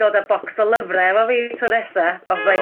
dod a bocs o lyfre efo fi tro nesaf. Ond fyddai'n...